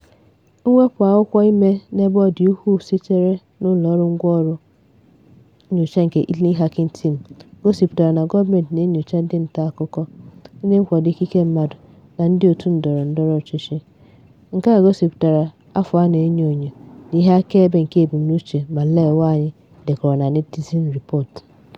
Mwepu akwụkwọ ime n'ebe ọ dị ukwuu sitere n'ụlọọrụ ngwanro nnyocha nke Italy Hacking Team gosịpụtara na gọọmentị na-enyocha ndị ntaakụkọ, ndị nkwado ikike mmadụ na ndịòtù ndọrọndọrọ ọchịchị - nke a gosịpụtara afọ a na-enyo enyo na ihe akaebe nke ebumnuche malwee anyị dekọrọ na Netizen Report.